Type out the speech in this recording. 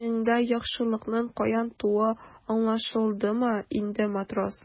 Миндә яхшылыкның каян тууы аңлашылдымы инде, матрос?